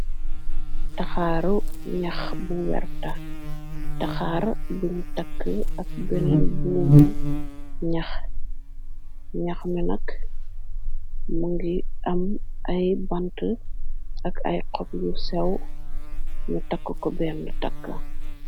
taxaar ñax bu werta taxaar bunu takk ak beneen buumu naxnax minak ma ngi am ay bant ak ay xob yu sew nu takk ko benn takka